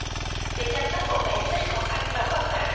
việc chăm sóc cậu bé rất khó khăn và vất vả